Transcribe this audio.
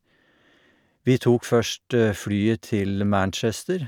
Vi tok først flyet til Manchester.